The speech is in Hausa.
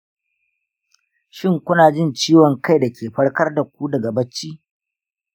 shin ku na jin ciwon kai da ke farkar daku daga bacci?